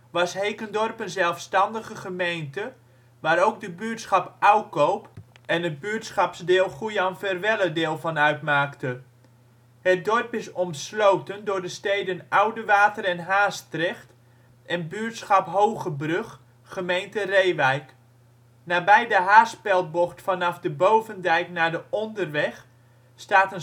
was Hekendorp een zelfstandige gemeente, waar ook de buurtschap Oukoop en het buurtschapsdeel Goejanverwelle deel van uitmaakte. Het dorp is omsloten door de steden Oudewater en Haastrecht en buurtschap Hogebrug, gemeente Reeuwijk. Nabij de haarspeldbocht vanaf de Bovendijk naar de Onderweg staat